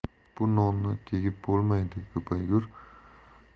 bu nonga tegib bo'lmaydi